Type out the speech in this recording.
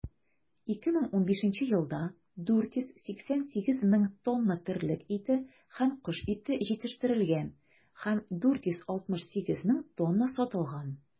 2015 елда 488 мең тонна терлек ите һәм кош ите җитештерелгән һәм 468 мең тонна сатылган.